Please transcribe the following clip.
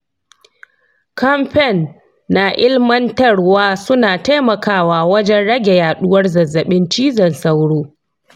kamfen na ilimantarwa suna taimakawa wajen rage yaduwar zazzabin cizon sauro.